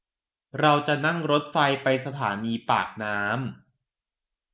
เราจะนั่งรถไฟไปสถานีปากน้ำ